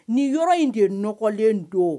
Nin yɔrɔ in de nɔgɔlen don.